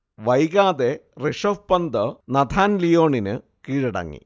വൈകാതെ ഋഷഭ് പന്ത് നഥാൻ ലിയോണിന് കീഴടങ്ങി